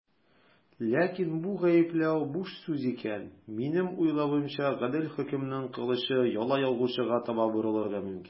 Ләкин бу гаепләү буш сүз икән, минем уйлавымча, гадел хөкемнең кылычы яла ягучыга таба борылырга мөмкин.